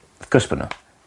Wrth gwrs bo' n'w.